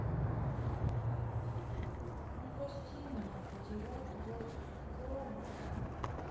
ну прости меня потеря твой робот